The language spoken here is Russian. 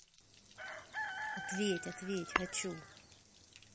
ответь ответь хочу